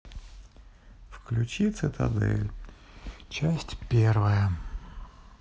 включи цитадель часть первая